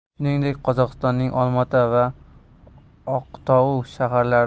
shuningdek qozog'istonning olmaota va oqtou shaharlarida